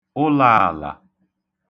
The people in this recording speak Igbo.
ụlāàlà